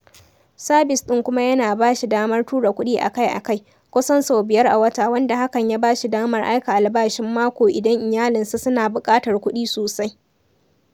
Sabis ɗin kuma yana ba shi damar tura kuɗi akai-akai – kusan sau 5 a wata wanda hakan ya bashi damar aika albashin mako idan iyalinsa suna buƙatar kuɗi sosai.